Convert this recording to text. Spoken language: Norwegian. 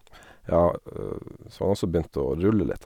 Ja, så har han også begynt å rulle litt.